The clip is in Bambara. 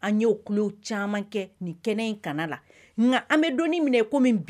An caman nka an bɛ don minɛ